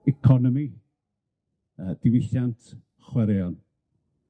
Economi yy diwylliant, chwaraeon.